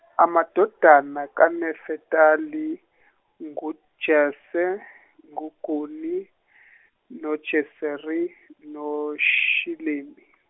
amadodana kaNefetali ngoJese nguGuni noJeseri noShilemi.